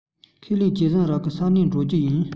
ཁས ལེན ཁེ བཟང རག གི ས གནས འགྲོ རྒྱུ ཡིན